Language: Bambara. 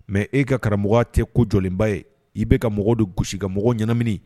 Mais e ka karamɔgɔ tɛ ko jɔlenba ye, i bɛka ka mɔgɔw de gosi ka mɔgɔw ɲɛna mini